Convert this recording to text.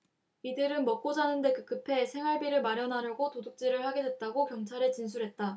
이들은 먹고 자는데 급급해 생활비를 마련하려고 도둑질을 하게 됐다고 경찰에 진술했다